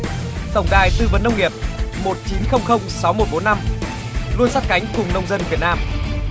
tổng đài tư vấn nông nghiệp một chín không không sáu một bốn năm luôn sát cánh cùng nông dân việt nam